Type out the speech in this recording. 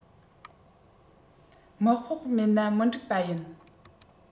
དམག ཕོགས མེད ན མི འགྲིག པ ཡིན